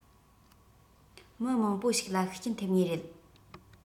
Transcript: མི མང པོ ཞིག ལ ཤུགས རྐྱེན ཐེབས ངེས རེད